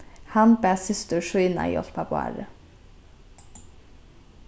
hann bað systur sína hjálpa bárði